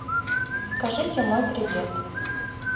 скажите мой привет